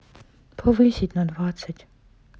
повысить на двадцать